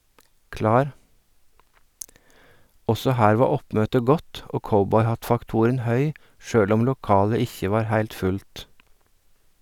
Også her var oppmøtet godt og cowboyhattfaktoren høy sjølv om lokalet ikkje var heilt fullt.